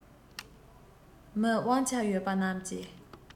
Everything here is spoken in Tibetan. མི དབང ཆ ཡོད པ རྣམས ཀྱིས